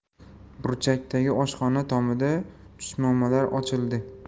burchakdagi oshxona tomida chuchmomalar ochildi